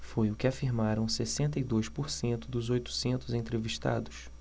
foi o que afirmaram sessenta e dois por cento dos oitocentos entrevistados